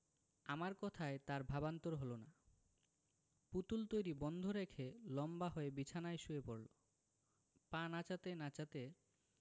আমার কথায় তার ভাবান্তর হলো না পুতুল তৈরী বন্ধ রেখে লম্বা হয়ে বিছানায় শুয়ে পড়লো পা নাচাতে নাচাতে